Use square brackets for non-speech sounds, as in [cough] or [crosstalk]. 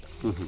[hesitation] [hesitation]